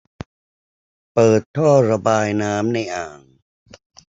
เปิดท่อระบายน้ำในอ่าง